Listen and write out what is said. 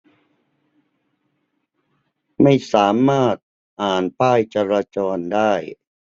ไม่สามารถอ่านป้ายจราจรได้